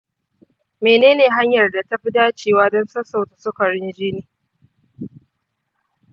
mene ne hanyar da ta fi dacewa don sassauta sukarin jini?